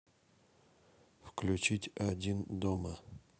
включить один дома